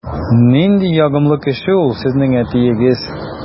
Нинди ягымлы кеше ул сезнең әтиегез!